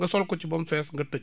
nga sol ko ci ba mu fees nga tëj